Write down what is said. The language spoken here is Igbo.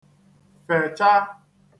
fècha